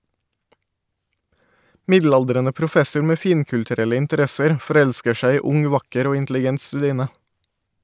Middelaldrende professor med finkulturelle interesser forelsker seg i ung vakker og intelligent studine.